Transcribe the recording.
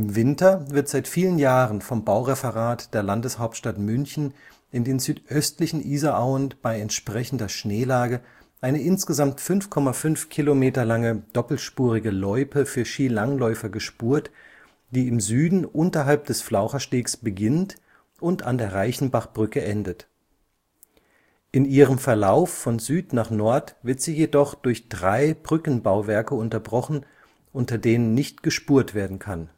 Winter wird seit vielen Jahren vom Baureferat der Landeshauptstadt München in den südöstlichen Isarauen bei entsprechender Schneelage eine insgesamt 5,5 Kilometer lange doppelspurige Loipe für Skilangläufer gespurt, die im Süden unterhalb des Flaucherstegs beginnt und an der Reichenbachbrücke endet. In ihrem Verlauf von Süd nach Nord wird sie jedoch durch drei Brückenbauwerke unterbrochen, unter denen nicht gespurt werden kann